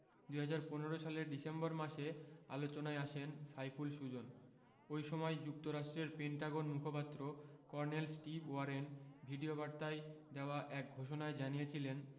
২০১৫ সালের ডিসেম্বর মাসে আলোচনায় আসেন সাইফুল সুজন ওই সময় যুক্তরাষ্ট্রের পেন্টাগন মুখপাত্র কর্নেল স্টিভ ওয়ারেন ভিডিওবার্তায় দেওয়া এক ঘোষণায় জানিয়েছিলেন